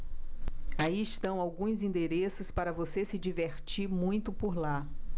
aí estão alguns endereços para você se divertir muito por lá